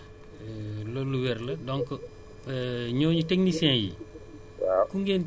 loolu lu wér la donc ñooñu techniciens yi